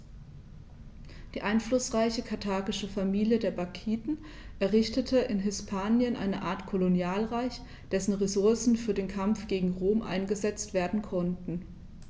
Die einflussreiche karthagische Familie der Barkiden errichtete in Hispanien eine Art Kolonialreich, dessen Ressourcen für den Kampf gegen Rom eingesetzt werden konnten.